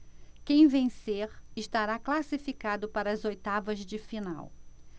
quem vencer estará classificado para as oitavas de final